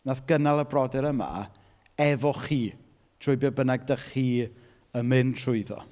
wnaeth gynnal y brodyr yma efo chi, trwy be bynnag 'da chi yn mynd trwyddo.